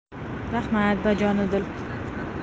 rahmat bajonu dil